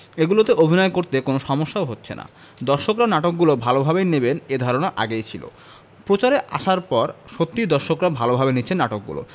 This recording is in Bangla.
এগুলোতে অভিনয় করতে কোনো সমস্যাও হচ্ছে না দর্শকরা নাটকগুলো ভালোভাবেই নেবেন এ ধারণা আগেই ছিল প্রচারে আসার পর সত্যিই দর্শকরা ভালোভাবে নিচ্ছেন নাটকগুলো